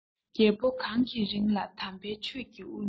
རྒྱལ པོ གང གི རིང ལ དམ པའི ཆོས ཀྱི དབུ བརྙེས